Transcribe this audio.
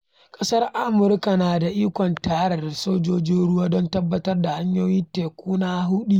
"Ƙasar Amurka na da ikon, tare da sojin ruwanmu, don tabbatar da hanyoyi teku na buɗe, kuma, idan ya kama, a tushe shi, don tabbatar da cewa makamashi su bai je kasuwa ba," in ji shi.